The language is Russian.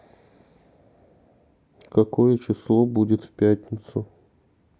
какое число будет в пятницу